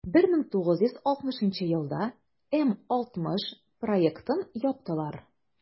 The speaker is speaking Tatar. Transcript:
1960 елда м-60 проектын яптылар.